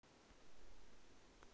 ну осенью потому что я осенью потому что